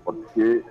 Falsee